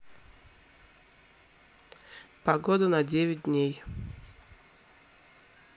погода на девять дней